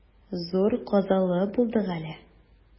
Зур казалы булдык әле.